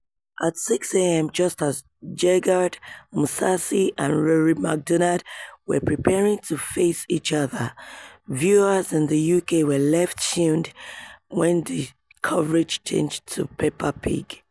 At 6am, just as Gegard Mousasi and Rory MacDonald were preparing to face each other, viewers in the UK were left stunned when the coverage changed to Peppa Pig.